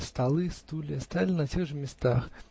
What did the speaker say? столы, стулья стояли на тех же местах